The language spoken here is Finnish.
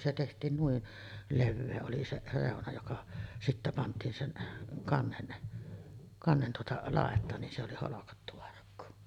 se tehtiin noin leveä oli se reuna joka sitten pantiin sen kannen kannen tuota laitaan niin se oli holkattu arkku